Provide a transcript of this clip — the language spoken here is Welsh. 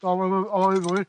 Fel ma' nw'n oedd wi.